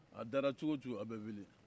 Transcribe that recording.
a dara cogo o cogo a bɛ wuli